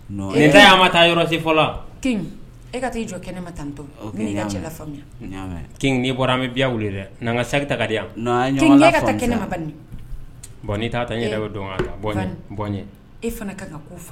Nin t'a ye an ma taa yɔrɔsi fɔlɔ wa, King e ka t'i jɔ kɛnɛma tan ninɔ, ok n y'a mɛn, n bɛna i ka cɛ lafaamuya, King n'i bɔra an bɛ biya wuli ,na ka n ka sac ta ka di yan, non ,a ye ɲɔgɔn faamu sa, king _ n k'e ka taa kɛnɛma Bani ,bon n'i t'a ta bɔ yen, n yɛrɛ bɛ don ka ta, bɔ n ɲɛn, bɔ ɲɛn. E fana ka kan ka ko faamu sa